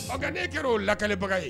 Ɔ nka n'e kɛra o lakalibaga ye